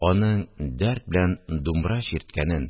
Аның дәрт белән думбра чирткәнен